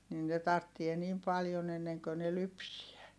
niin ne tarvitsee niin paljon ennen kuin ne lypsää